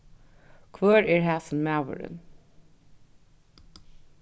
hvør er hasin maðurin